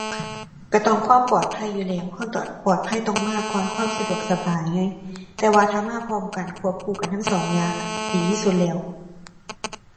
ก็ต้องความปลอดภัยอยู่แล้ว ความตอด ปลอดภัยต้องมาก่อนความสะดวกสบายไง แต่ว่าถ้ามาพร้อมกันควบคู่กันทั้งสองอย่างอะ ดีที่สุดแล้ว